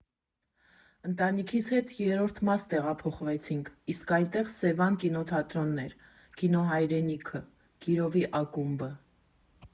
Ընտանիքիս հետ Երրորդ մաս տեղափոխվեցինք, իսկ այնտեղ «Սևան» կինոթատրոնն էր, կինո «Հայրենիքը», Կիրովի ակումբը։